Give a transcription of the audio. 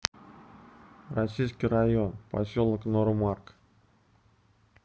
российский район поселок нора марк